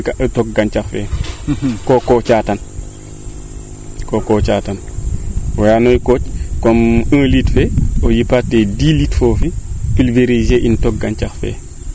toog gancax fee koo kocaatan ko kocaatan we andeer na a kooc comme un fee o yipa tiye dix litres foofi privilegier in